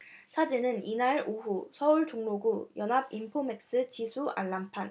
사진은 이날 오후 서울 종로구 연합인포맥스 지수 알림판